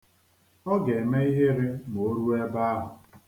Ọ ga-eme ihere ma o ruo ebe ahụ.